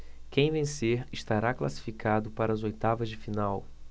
quem vencer estará classificado para as oitavas de final